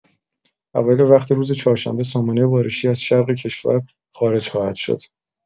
اوایل وقت روز چهارشنبه سامانه بارشی از شرق کشور خارج خواهد شد.